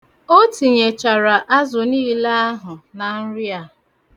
O tinyechara azụ niile ahụ na nri a.